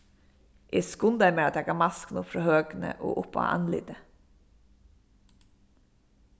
eg skundaði mær at taka maskuna upp frá høkuni og upp á andlitið